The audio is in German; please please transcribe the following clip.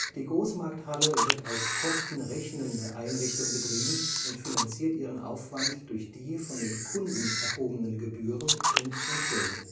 Die Großmarkthalle wird als kostenrechnende Einrichtung betrieben und finanziert ihren Aufwand durch die von den Kunden erhobenen Gebühren und Entgelte